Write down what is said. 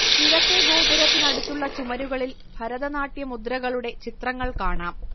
കിഴക്കേ ഗോപുരത്തിനടുത്തുള്ള ചുമരുകളിൽ ഭരതനാട്യ മുദ്രകളുടെ ചിത്രങ്ങൾ കാണാം